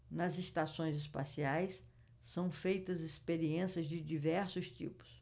nas estações espaciais são feitas experiências de diversos tipos